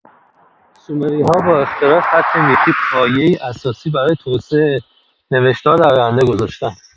سومری‌ها با اختراع خط میخی، پایه‌ای اساسی برای توسعه نوشتار در آینده گذاشتند.